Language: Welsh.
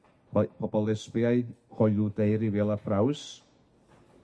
###hoy- pobol esbiaidd hoyw deurywiol a thraws.